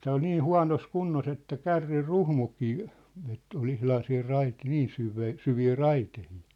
tämä oli niin huonossa kunnossa että kärryn ruhmukin että oli ihan siinä - niin syvää syviä raiteita